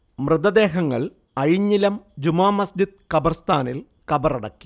മൃതദേഹങ്ങൾ അഴിഞ്ഞിലം ജുമാ മസ്ജിദ് കബർസ്ഥാനിൽ കബറടക്കി